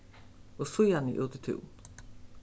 og síðani út í tún